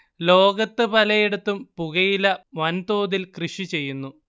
ലോകത്തു പലയിടത്തും പുകയില വൻതോതിൽ കൃഷി ചെയ്യുന്നു